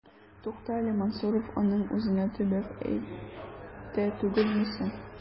Тукта әле, Мансуров аның үзенә төбәп әйтә түгелме соң? ..